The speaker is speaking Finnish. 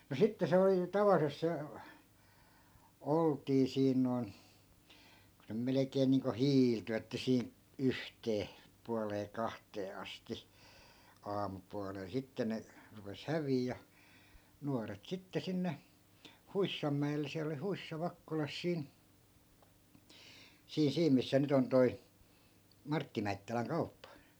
no sitten se oli tavallisesti se oltiin siinä noin kun se melkein niin kuin hiiltyi että - yhteen puoleen kahteen asti aamupuolella sitten ne rupesi häviämään ja nuoret sitten sinne huissanmäelle siellä oli huissa Vakkolassa siinä siinä siinä missä nyt on toi Martti Mäittälän kauppa